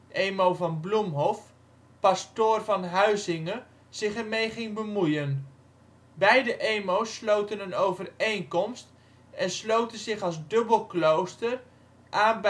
Emo van Bloemhof (pastoor van Huizinge) zich ermee ging bemoeien. Beide Emo 's sloten een overeenkomst en sloten zich als dubbelklooster aan